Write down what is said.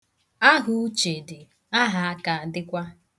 Ahauche dị ahaaka adịkwa.